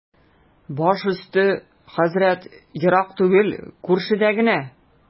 Баш өсте, хәзрәт, ерак түгел, күршедә генә.